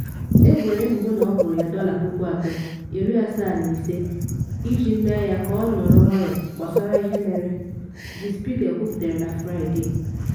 Eboro ebubo na ọ kwụrụ ya $375,000 iji mee ya ka ọ nọrọ nwayọọ gbasara ihe mere, Der Spiegel kwuputara na Fraịde.